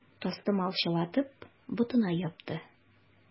Тастымал чылатып, ботына япты.